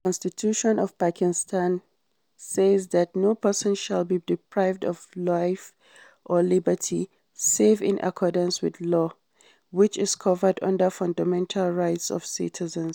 The Constitution of Pakistan says that "No person shall be deprived of life or liberty save in accordance with law," which is covered under the Fundamental Rights of citizens.